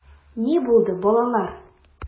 Ни булды, балалар?